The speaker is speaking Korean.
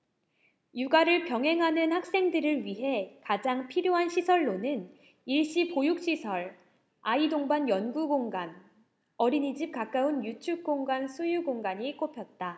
육아를 병행하는 학생들을 위해 가장 필요한 시설로는 일시 보육시설 아이 동반 연구 공간 어린이집 가까운 유축공간 수유공간이 꼽혔다